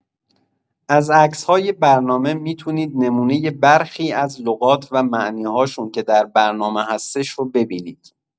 از عکس‌های برنامه می‌تونید نمونۀ برخی از لغات و معنی‌هاشون که در برنامه هستش رو ببینید.